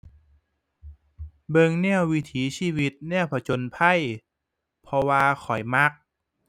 เบิ่งแนววิถีชีวิต แนวผจญภัย เพราะว่าข้อยมัก